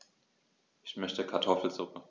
Ich möchte Kartoffelsuppe.